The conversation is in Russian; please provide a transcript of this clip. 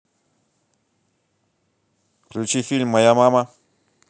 включи фильм моя мама